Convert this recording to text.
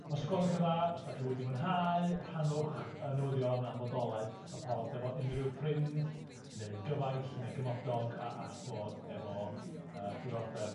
Os gwelwch yn dda, os 'dach chi wedi mwynhau, rhannwch y newyddion am fodolaeth y pod efo unryw ffrind neu gyfaill neu gymodog a all fod efo yy diddordeb.